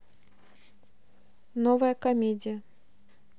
новая комедия